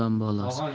odam bolasi bo'l